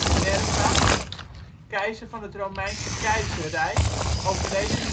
Nerva, keizer van het Romeinse Keizerrijk (overleden